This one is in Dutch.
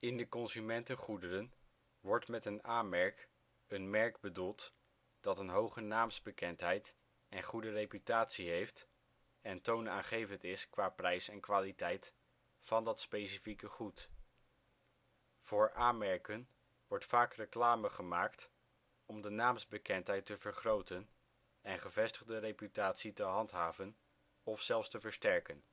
de consumentengoederen wordt met een A-merk een merk bedoeld dat een hoge naamsbekendheid en goede reputatie heeft en toonaangevend is qua prijs en kwaliteit van dat specifieke goed. Voor A-merken wordt vaak reclame gemaakt om de naamsbekendheid te vergroten en gevestigde reputatie te handhaven of zelfs te versterken